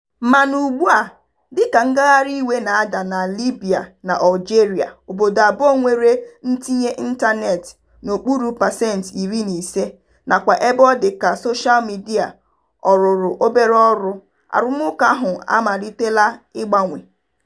Mana ugbua, dịka ngagharị iwe na-ada na Libya na Algeria – obodo abụọ nwere ntinye ịntaneetị n'okpuru 15% nakwa ebe ọ dị ka soshal midịa ọ rụrụ obere ọrụ - arụmụka ahụ amalitela ịgbanwe.